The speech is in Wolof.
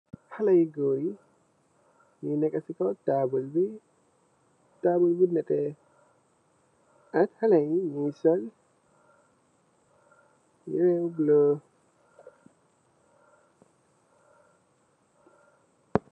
Haley gòor yi nu neka ci kaw taabl bi, taabl bu netè ak haley nungi sol yiré yu bulo.